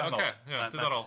Ocê ia diddorol.